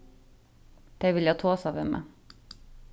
tey vilja tosa við meg